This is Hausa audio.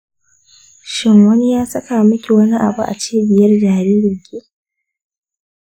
shin wani ya saka miki wani abu a cibiyar jaririnki?